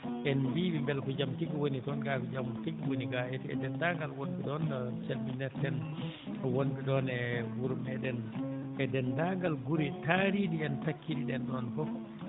en mbiyii ɓe maa mbele ko jam tigi woni toon gay ko jam tigi woni gay e denndaangal wonɓe ɗon calminirten wonɓe ɗon e wuro meeɗen e denndaangal gure taariiɗe en takkiiɗe en ɗon fof